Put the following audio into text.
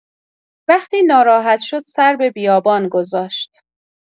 وقتی ناراحت شد سر به بیابان گذاشت.